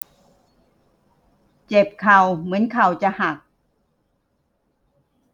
เจ็บเข่าเหมือนเข่าจะหัก